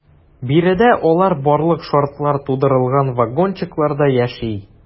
Биредә алар барлык шартлар тудырылган вагончыкларда яши.